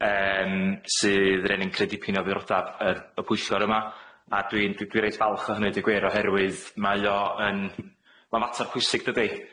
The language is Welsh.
yym sydd yn ennyn cryn dipyn o ddiddordeb yr y pwyllgor yma, a dwi'n dwi dwi reit falch o hynny a deud gwir oherwydd mae o yn- m- ma'n fater pwysig, dydi?